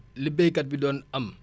li béykat bi doon am